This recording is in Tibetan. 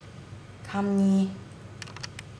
ཁམ གཉིས